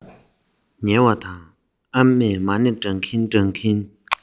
ཉལ བ དང ཨ མས མ ཎི བགྲང གིན བགྲང གིན